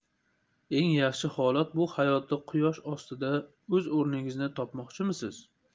eng yaxshi holat bu hayotda quyosh ostida o'z o'rningizni topmoqchimisiz